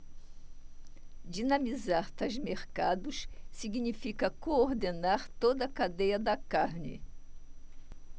dinamizar tais mercados significa coordenar toda a cadeia da carne